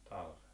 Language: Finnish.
talvella